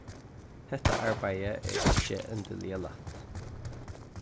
hetta arbeiðið er ikki endiliga lætt